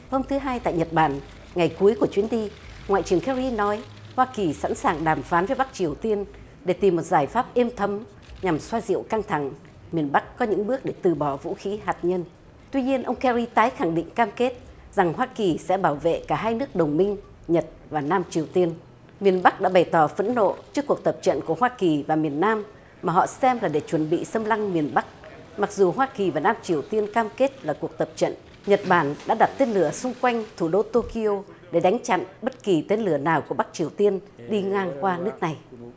hôm thứ hai tại nhật bản ngày cuối của chuyến đi ngoại trưởng ke ri nói hoa kỳ sẵn sàng đàm phán với bắc triều tiên để tìm một giải pháp êm thấm nhằm xoa dịu căng thẳng miền bắc có những bước để từ bỏ vũ khí hạt nhân tuy nhiên ông ke ri tái khẳng định cam kết rằng hoa kỳ sẽ bảo vệ cả hai nước đồng minh nhật và nam triều tiên miền bắc đã bày tỏ phẫn nộ trước cuộc tập trận của hoa kỳ và miền nam mà họ xem là để chuẩn bị xâm lăng miền bắc mặc dù hoa kỳ và nam triều tiên cam kết là cuộc tập trận nhật bản đã đặt tên lửa xung quanh thủ đô tô ki ô để đánh chặn bất kỳ tên lửa nào của bắc triều tiên đi ngang qua nước này